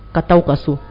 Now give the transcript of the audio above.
Ka taa ka so